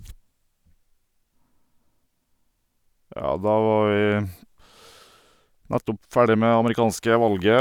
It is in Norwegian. Ja, da var vi nettopp ferdig med amerikanske valget.